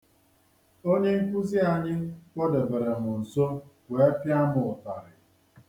Onye nkuzi anyị kpọdebere m nso, wee pịa m ụtarị.